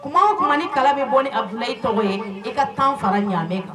Kuma tuma ni kala bɛ bɔ ni a bila i tɔgɔ ye i ka tan fara ɲamɛ kan